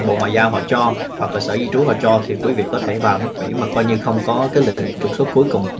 bộ ngoại giao họ cho hoặc sở di trú họ cho thì quý vị có thể vào nước mỹ mà coi như không có cái lệnh trục xuất cuối cùng